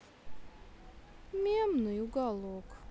мемный уголок